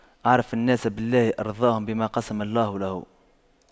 أعرف الناس بالله أرضاهم بما قسم الله له